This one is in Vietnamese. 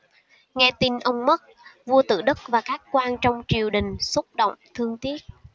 nghe tin ông mất vua tự đức và các quan trong triều đình xúc động thương tiếc